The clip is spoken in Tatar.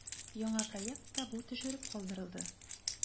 Яңа проектта бу төшереп калдырылды.